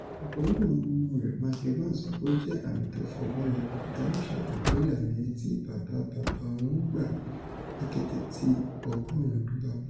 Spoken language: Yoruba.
Ọ̀kan nínú àwọn ọmọọmọ rẹ̀, Michael Vann, sọ pé ó jẹ́ “àmí tó fọ́gbọ́nyọ”, òkútà náà ṣàfihàn ìfilọ́lẹ̀ àmi ẹ̀yẹ tí bábabàbà wọ́n gba ní kété tí ọgọ́rùn-ún ọdún bá pé.